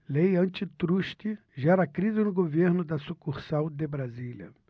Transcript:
lei antitruste gera crise no governo da sucursal de brasília